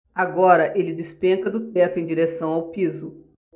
agora ele despenca do teto em direção ao piso